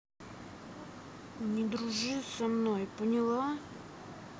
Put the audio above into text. не дружи со мной поняла